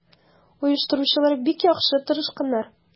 Оештыручылар бик яхшы тырышканнар.